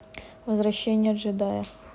возвращение джедая